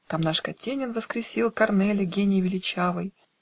Там наш Катенин воскресил Корнеля гений величавый